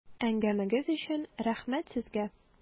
Әңгәмәгез өчен рәхмәт сезгә!